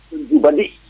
njubadi